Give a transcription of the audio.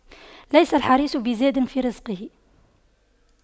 ليس الحريص بزائد في رزقه